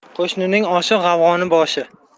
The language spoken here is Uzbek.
qo'shnining oshi g'avg'oning boshi